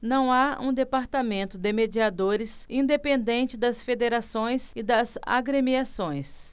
não há um departamento de mediadores independente das federações e das agremiações